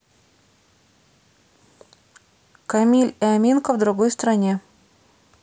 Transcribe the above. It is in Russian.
камиль и аминка в другой стране